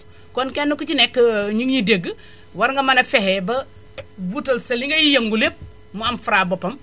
kon kenn ku ci nekk ñi ñuy dégg war nga mën a fexe ba wutal sa li ngay yëngu lépp mu am Fra boppam